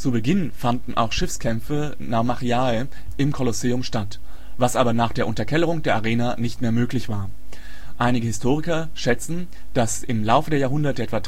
Beginn fanden auch Schiffskämpfe (Naumachiae) im Kolosseum statt, was aber nach der Unterkellerung der Arena nicht mehr möglich war. Einige Historiker schätzen, dass im Laufe der Jahrhunderte etwa 300.000